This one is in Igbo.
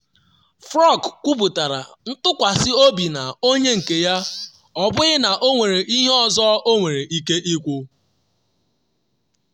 Furyk kwuputara ntụkwasị obi na onye nke ya, ọ bụghị na ọ nwere ihe ọzọ ọ nwere ike ikwu.